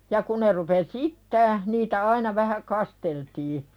ja kun ne rupesi itämään niitä aina vähän kasteltiin